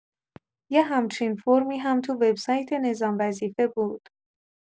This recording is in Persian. یه همچین فرمی هم تو وبسایت نظام‌وظیفه بود